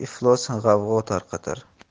iflos g'avg'o tarqatar